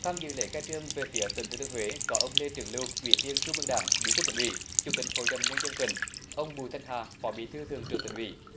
tham dự lễ khai trương về phía tỉnh thừa thiên huế có ông lê trường lưu ủy viên trung ương đảng bí thư tỉnh ủy chủ tịch hội đồng nhân dân tỉnh ông bùi thanh hà phó bí thư thường trực tỉnh ủy